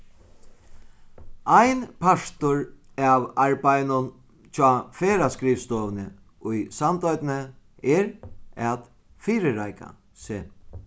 ein partur av arbeiðinum hjá ferðaskrivstovuni í sandoynni er at fyrireika seg